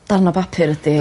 Darn o bapur ydi...